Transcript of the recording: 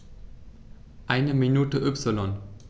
Eine Minute Y